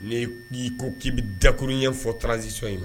N k'i ko k'i bɛ dakurun ye fɔ tranzsisɔn in ma